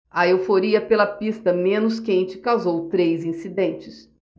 a euforia pela pista menos quente causou três incidentes